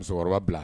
Musokɔrɔba bila